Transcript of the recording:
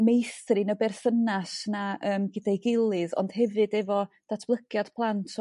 meithrin y berthynas 'na yrm gyda'i gilydd ond hefyd efo datblygiad plant